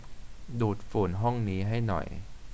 ดูดฝุ่นห้องนี้ให้หน่อย